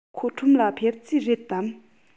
ཁོ ཁྲོམ ལ ཕེབས རྩིས རེད དམ